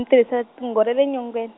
ni tirisa riqingho ra le nyongeni.